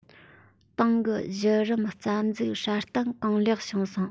ཏང གི གཞི རིམ རྩ འཛུགས སྲ བརྟན གང ལེགས བྱུང སོང